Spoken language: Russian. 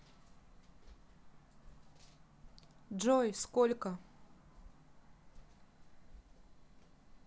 джой сколько